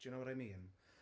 Do you know what I mean?